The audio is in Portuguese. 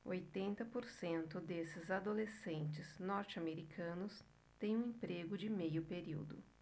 oitenta por cento desses adolescentes norte-americanos têm um emprego de meio período